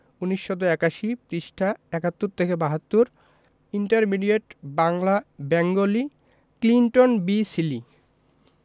১৯৮১ পৃষ্ঠাঃ ৭১ থেকে ৭২ intermediate Bangla Bengali Clinton B Seely